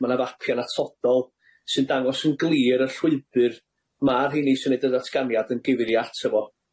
Ma' 'na fapie'n atodol sy'n dangos yn glir y llwybyr ma' rheini sy'n neud y datganiad yn gyfeirio ato fo.